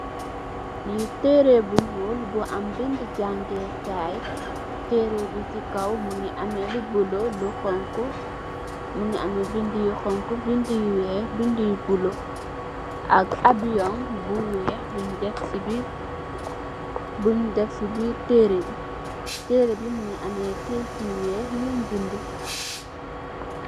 Fi teereh bu ñuul bu am bindi jangeekaay, teereh bi ci kaw mungi ameh lu bulo, lu honku, mungi ameh bindi yu honku, bindi yu weeh, bindi yu bulo ak abiyoon bu weeh bun deff ci biir, bun def ci biir tereeh bi. teereh bi mungi ameh kayiti yu weeh yun bind.